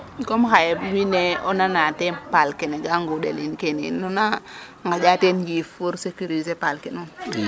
comme xaye wine o nana te paal kene ga ŋundel yin kene yiin nuna ŋaƴa teen yiif pour sécuriser paal ke nuum